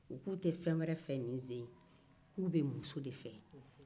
u ko k'u bɛ muso de fɛ nin siɲɛ in